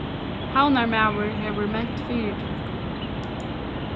havnarmaður hevur ment fyritøku